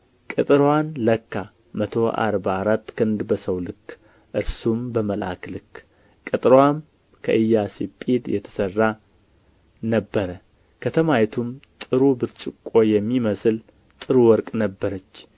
ቅጥርዋንም ለካ መቶ አርባ አራት ክንድ በሰው ልክ እርሱም በመልአክ ልክ ቅጥርዋም ከኢያሰጲድ የተሠራ ነበረ ከተማይቱም ጥሩ ብርጭቆ የሚመስል ጥሩ ወርቅ ነበረች